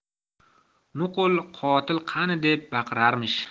nuqul qotil qani deb baqirarmish